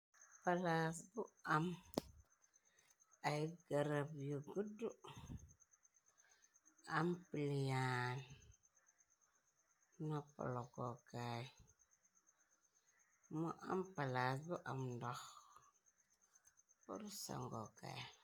Palaas bu am ay garab yu guddu, am pliyaan napaloko kaay, mu am palaas bu am ndox pur sango kaay.